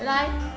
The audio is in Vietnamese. ra đây